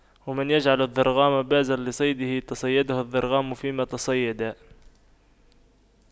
ومن يجعل الضرغام بازا لصيده تَصَيَّدَهُ الضرغام فيما تصيدا